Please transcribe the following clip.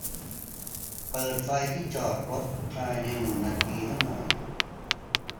เปิดไฟที่จอดรถภายในหนึ่งนาทีให้หน่อย